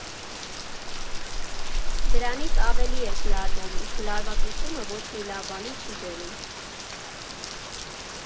Դրանից ավելի ես լարվում, իսկ լարվածությունը ոչ մի լավ բանի չի բերում։